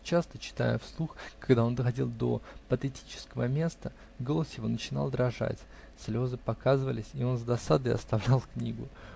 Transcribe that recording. Часто, читая вслух, когда он доходил до патетического места, голос его начинал дрожать, слезы показывались, и он с досадой оставлял книгу.